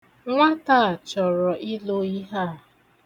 Nwata a chọrọ ilo ihe a.